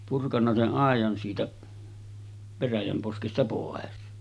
purkanut sen aidan siitä veräjän poskesta pois